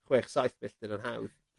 chwech saith filltyr yn hawdd.